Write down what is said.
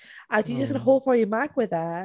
A... o ...dwi jyst yn hoff o ei ymagwedd e.